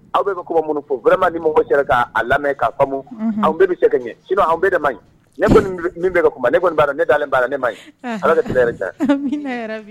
Aw bɛɛ bɛ kuma min fo vraiment ni mɔgɔ sera k'a lamɛn k'a faamu; Unhun; anw bɛɛ bɛ se ka kɛ ɲɛ. Sinon anw bɛɛ de maɲi, ne kɔnni min bɛ ka kuma ne kɔni b'a dɔn ne dalen b'a la ne maɲi, Ala ka tile hɛrɛ caya.